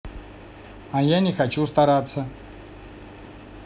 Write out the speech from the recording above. а я не хочу стараться